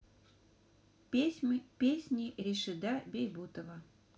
песни рашида бейбутова